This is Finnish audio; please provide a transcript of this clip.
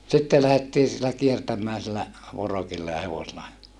sitten lähdettiin sillä kiertämään sillä vorokilla ja hevosella